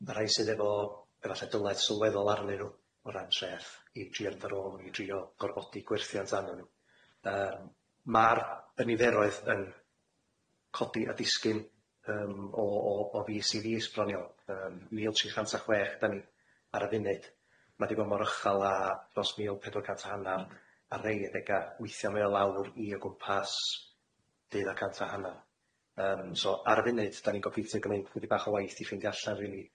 y rhai sydd efo efalle dyled sylweddol arnyn nw o ran treth i drio mynd ar ôl i drio gorfodi gwerthiant anon nw yym ma'r y niferoedd yn codi a disgyn yym o o o fis i fis bron iawn yym mil tri chant a chwech 'dan ni ar y funud ma' 'di bod mor uchal â dros fil pedwar cant a hannar a rei adega withia mau o lawr i o gwmpas deuddag cant a hannar yym so ar y funud 'dan ni'n gobeithio gneud dipyn bach o waith i ffindio allan rili